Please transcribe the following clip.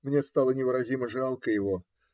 Мне стало невыразимо жалко его.